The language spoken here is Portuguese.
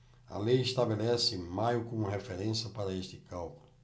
a lei estabelece maio como referência para este cálculo